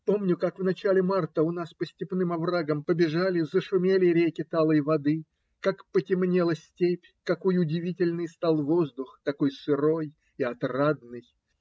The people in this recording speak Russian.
Помню, как в начале марта у нас по степным оврагам побежали, зашумели реки талой воды, как потемнела степь, какой удивительный стал воздух, такой сырой и отрадный.